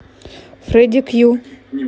фредди кью